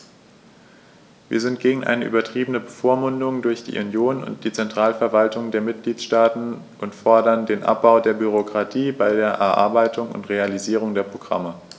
Wir sind gegen eine übertriebene Bevormundung durch die Union und die Zentralverwaltungen der Mitgliedstaaten und fordern den Abbau der Bürokratie bei der Erarbeitung und Realisierung der Programme.